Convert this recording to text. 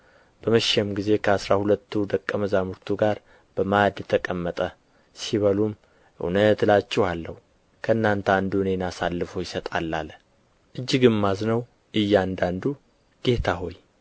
በመሸም ጊዜ ከአሥራ ሁለቱ ደቀ መዛሙርቱ ጋር በማዕድ ተቀመጠ ሲበሉም እውነት እላችኋለሁ ከእናንተ አንዱ እኔን አሳልፎ ይሰጣል አለ እጅግም አዝነው እያንዳንዱ ጌታ ሆይ